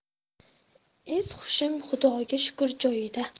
es hushim xudoga shukr joyida